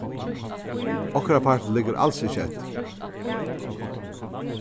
okkara partur liggur als ikki eftir